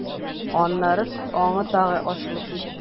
Аннары аңы тагы ачылып китте.